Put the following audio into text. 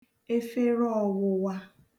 efere ọ̄wụ̄wā